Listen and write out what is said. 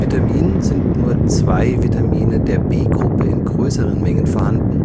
Vitaminen sind nur zwei Vitamine der B-Gruppe in größeren Mengen vorhanden: